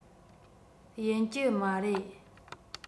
ཡིན གྱི མ རེད